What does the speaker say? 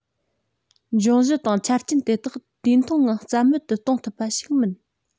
འབྱུང གཞི དང ཆ རྐྱེན དེ དག དུས ཐུང ནང རྩ མེད དུ གཏོང ཐུབ པ ཞིག མིན